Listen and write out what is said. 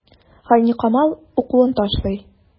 Гайникамал укуын ташлый.